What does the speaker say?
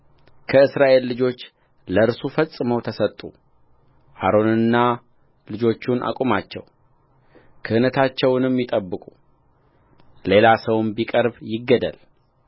ከእስራኤል ልጆች ለእርሱ ፈጽመው ተሰጡአሮንንና ልጆቹን አቁማቸው ክህነታቸውንም ይጠብቁ ሌላ ሰውም ቢቀርብ ይገደል